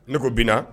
Ne ko bin